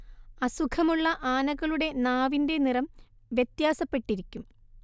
അസുഖം ഉള്ള ആനകളുടെ നാവിന്റെ നിറം വ്യത്യാസപ്പെട്ടിരിക്കും